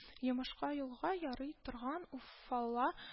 Йомышка-юлга ярый торган уфалла